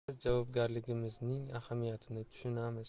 biz javobgarligimizning ahamiyatini tushunamiz